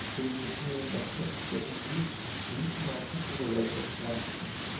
Что-то защемило у меня в сердце при этом известии, и мысль моя тотчас же обратилась к матушке.